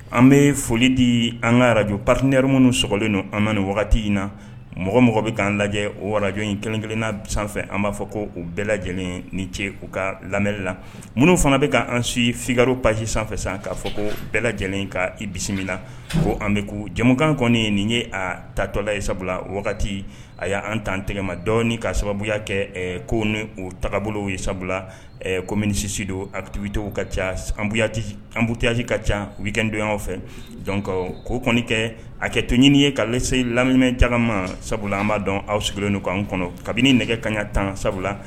An bɛ foli di an ka arajo paritirir minnu sogolen ninnu an ma nin wagati in na mɔgɔ mɔgɔ bɛ k'an lajɛ o warajo in kelen- kelenna sanfɛ an b'a fɔ ko o bɛɛ lajɛlen ni ce u ka lamɛn la minnu fana bɛ ka an si fikaro pasi sanfɛ san k'a fɔ ko bɛɛ lajɛlen ka i bisimila na ko an bɛku jɛkan kɔni ye nin ye a tatɔla ye sabula wagati a y' an ta tɛgɛmadɔ ka sababuya kɛ ko ni taabolobolo ye sabula ko minisisididon abibitigiw ka ca anbuti anbuteyasi ka ca bɛ don fɛ ka ko kɔni kɛ a kɛ toonɲ ye ka lamjama sabula an b'a dɔn aw sigilenlonw k'an kɔnɔ kabini nɛgɛ kaɲa tan sabula